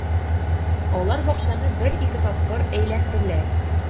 Алар бакчаны бер-ике тапкыр әйләнделәр